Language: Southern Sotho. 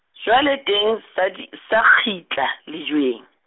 jwale teng sa di, sa kgitla, lejweng.